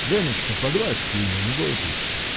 -- Леночка, погладьте ее, не бойтесь.